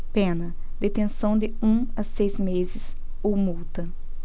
pena detenção de um a seis meses ou multa